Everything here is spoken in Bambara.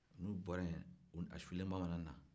n'u bɔra yen a sulenba manana